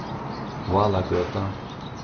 válagøta